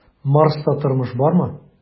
"марста тормыш бармы?"